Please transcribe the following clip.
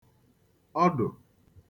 ọdụ̀